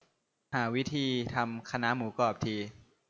หาวิธีทำคะน้าหมูกรอบที